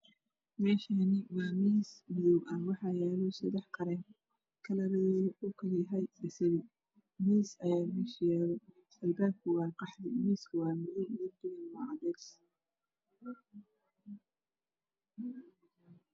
Meeshaani waa miis madow ah waxaa yaalo sadex gareen kalaradooda uu kala yahay basali miis ayaa meesha yaalo albaabaka waa qaxwi miiska waa madow darbiga waa cadays